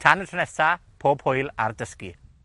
Tan y tro nesa, pob hwyl ar dysgu.